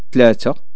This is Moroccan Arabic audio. تلات